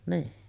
niin